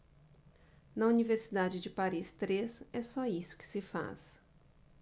na universidade de paris três é só isso que se faz